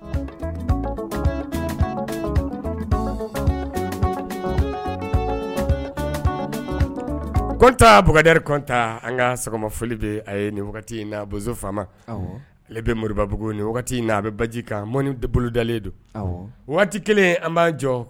Kɔn an ka sɔgɔma a bo bɛ moribabugu ni in n a bɛ baji kan mɔn bolodalen don waati kelen an b'an jɔ